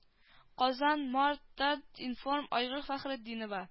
-- казан март тат-информ айгөл фәхретдинова